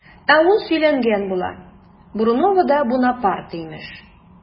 Ә ул сөйләнгән була, Бруновода Бунапарте имеш!